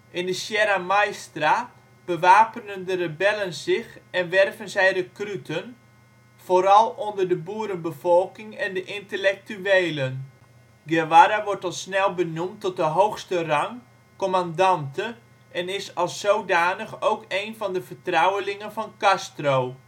In de " Sierra Maestra " bewapenen de rebellen zich en werven zij rekruten, vooral onder de boerenbevolking en de intellectuelen. Guevara wordt al snel benoemd tot de hoogste rang, " Comandante ", en is als zodanig ook een van de vertrouwelingen van Castro